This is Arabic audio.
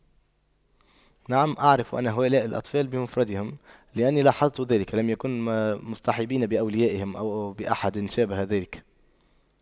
نعم أعرف ان هؤلاء الأطفال بمفردهم لأني لاحظت ذلك لم يكن مصطحبين بأوليائهم أو بأحد شابه ذلك